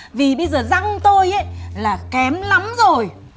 vì bây giờ răng tôi ý là kém lắm rồi